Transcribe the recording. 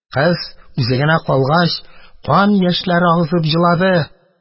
Кыз, үзе генә калгач, кан яшьләр агызып елады.